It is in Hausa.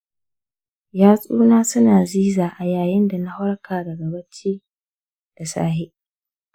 yatsuna su na ziza a yayin da na farka daga bacci da safe.